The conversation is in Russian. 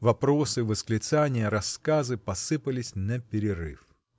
Вопросы, восклицания, рассказы посыпались наперерыв.